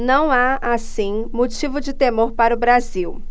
não há assim motivo de temor para o brasil